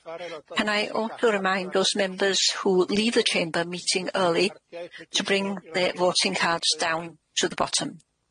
Can I also remind those members who leave the chamber meeting early to bring their voting cards down to the bottom?